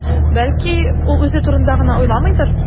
Бәлки, ул үзе турында гына уйламыйдыр?